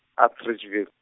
Atteridgeville.